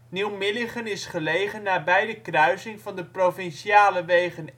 Nieuw-Milligen is gelegen nabij de kruising van de provinciale wegen